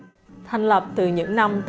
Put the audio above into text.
thành lập từ những năm